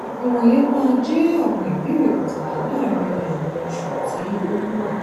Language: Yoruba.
Ìwọ̀nyẹn máa jẹ́ àwọn ìbéèrè pàtàkì láàárín àwọn oṣù tí ó ń bọ̀.